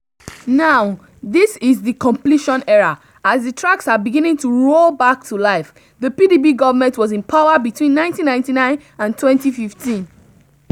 Now, this is the 'Completion Era' as the tracks are beginning to roar back to life.” The PDP government was in power between 1999 and 2015.